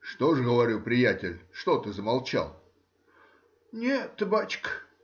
— Что же,— говорю,— приятель: что ты замолчал? — Нет, бачка.